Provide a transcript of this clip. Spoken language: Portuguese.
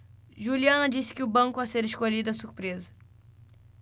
juliana disse que o banco a ser escolhido é surpresa